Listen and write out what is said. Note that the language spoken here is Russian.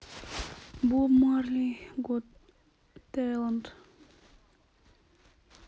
bob marley got talent